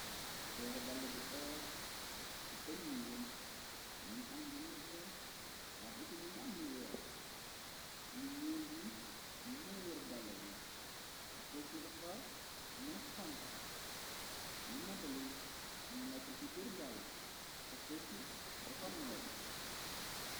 Peere dalla bu ees dafa ñuul, miñgi am lu nete, waay itam mingi am lu weex, lu ñuul yi moo wër dalla bi ta fofu dafa neexa fompa, lu nettali moo nekka ci biir dàlla te foofu dafa nooy.